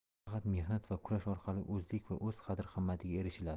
faqat mehnat va kurash orqali o'zlik va o'z qadr qimmatiga erishiladi